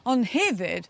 ond hefyd